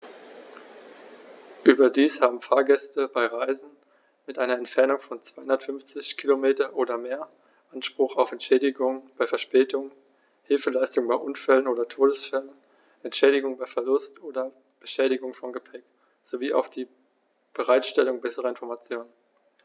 Überdies haben Fahrgäste bei Reisen mit einer Entfernung von 250 km oder mehr Anspruch auf Entschädigung bei Verspätungen, Hilfeleistung bei Unfällen oder Todesfällen, Entschädigung bei Verlust oder Beschädigung von Gepäck, sowie auf die Bereitstellung besserer Informationen.